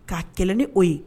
K'a kɛlɛ ni oo ye